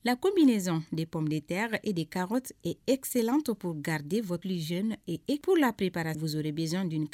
La kɔmibez depmbte tɛ y'a e de ka esitɔ garirdiden vptili z eee epo lapeprazorebez de